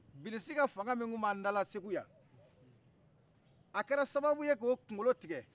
bilisi ka fanga min kun b'a dala segu yan a kɛra sababu ye k'o kunkolo tigɛ